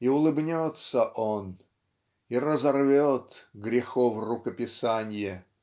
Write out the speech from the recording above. И улыбнется он, И разорвет грехов рукописанье.